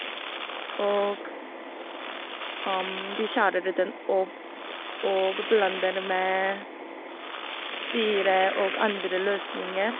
Og vi skjærer ut den og b og blander med syre og andre løsninger.